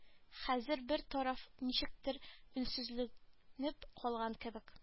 Хәзер бар тараф ничектер өнсезләнеп калган кебек